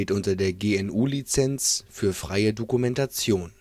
unter der GNU Lizenz für freie Dokumentation